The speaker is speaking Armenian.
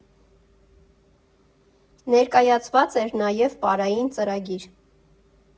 Ներկայացված էր նաև պարային ծրագիր։